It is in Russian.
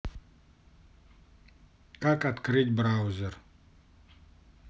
как открыть браузер